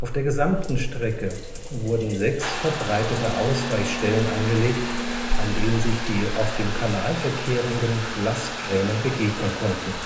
Auf der gesamten Strecke wurden sechs verbreiterte Ausweichstellen angelegt, an denen sich die auf dem Kanal verkehrenden Lastkähne begegnen konnten